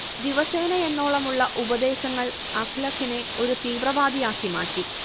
ദിവസേനയെന്നോണമുള്ള ഉപദേശങ്ങൾ അഖ്ലഖിനെ ഒരു തീവ്രവാദിയാക്കി മാറ്റി